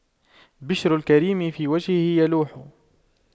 بِشْرُ الكريم في وجهه يلوح